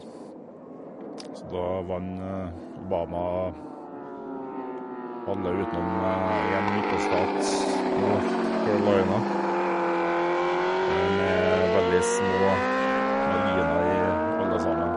Så da vant Obama alle utenom én vippestat, North Carolina, med veldig små marginer i alle sammen.